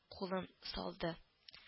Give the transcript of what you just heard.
Кулын салды